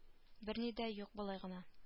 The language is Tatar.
Берни дә юк болай гына